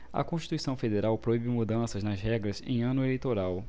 a constituição federal proíbe mudanças nas regras em ano eleitoral